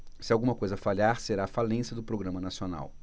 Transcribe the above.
se alguma coisa falhar será a falência do programa nacional